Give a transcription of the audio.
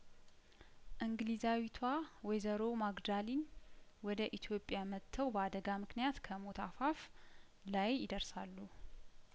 እንግሊዛዊቷ ወይዘሮ ማግዳ ሊን ወደ ኢትዮጵያ መጥተው በአደጋምክንያት ከሞት አፋፍ ላይ ይደር ሳሉ